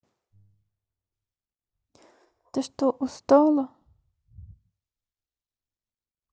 ты что устала